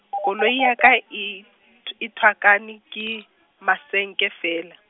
koloi ya ka e, th- e thuakane ke masenke feela.